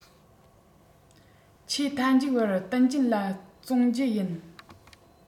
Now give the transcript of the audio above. ཆེས མཐའ མཇུག བར ཏུང ཅིན ལ བཙོང རྒྱུ ཡིན